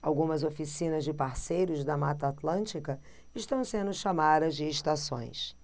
algumas oficinas de parceiros da mata atlântica estão sendo chamadas de estações